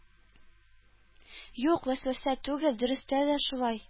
Юк, вәсвәсә түгел, дөрестә дә шулай.